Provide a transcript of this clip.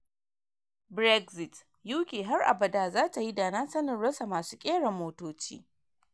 Brexit: UK ‘har abada zata yi da na sanin’ rasa masu kera motoci